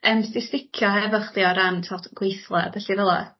yym nest di sdicio hefo chdi o ran t'od gweithle a pelly fela?